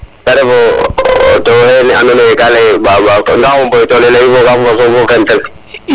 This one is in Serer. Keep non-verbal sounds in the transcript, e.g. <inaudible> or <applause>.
te ref o tewo xene ando naye ka leyewa Mbako ndax <unintelligible>